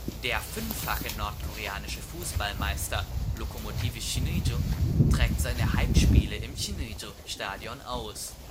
Der fünffache nordkoreanische Fußball-Meister Lokomotive Sinŭiju trägt seine Heimspiele im Sinŭiju-Stadion aus